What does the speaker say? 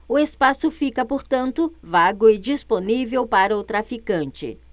o espaço fica portanto vago e disponível para o traficante